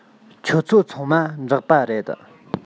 ཁྱོད ཚོ ཚང མ འབྲོག པ རེད